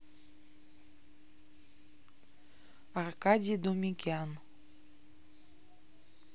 аркадий думикян